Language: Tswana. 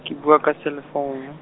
bua ka sela founu.